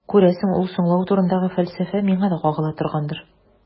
Күрәсең, ул «соңлау» турындагы фәлсәфә миңа да кагыла торгандыр.